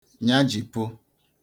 nyajìpụ